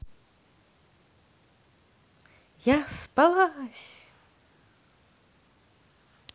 я спалась